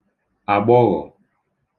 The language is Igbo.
àgbọghọ̀